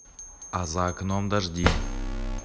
а за окном дожди